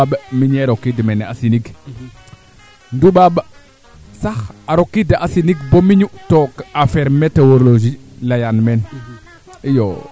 xa axa xe d' accord nam refu nee ando naye ne maak we a njil toogina xa axa xe avant i numtu wiida no instant keene parce yaakarame andiim ndax peut etre